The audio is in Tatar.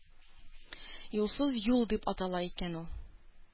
«юлсыз юл» дип атала икән ул.